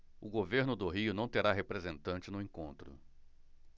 o governo do rio não terá representante no encontro